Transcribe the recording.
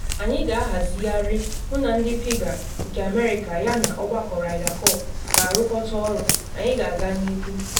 Anyị ga-ahazigharị, m na ndị PGA nke America yana Ọgbakọ Ryder Cup ga-arụkọta ọrụ, anyị ga-aga n’ihu.